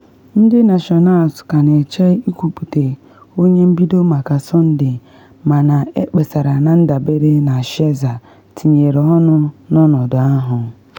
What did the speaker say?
Ndị Nationals ka na eche ikwupute onye mbido maka Sọnde, mana ekpesara na dabere na Scherzer tinye ọnụ n’ọnọdụ ahụ.